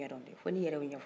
ne ye denmisɛnni ye